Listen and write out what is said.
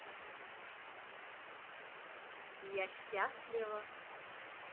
я счастлива